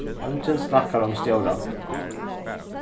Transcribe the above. eingin snakkar um stjóran